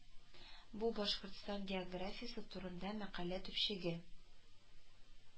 Бу Башкортстан географиясе турында мәкалә төпчеге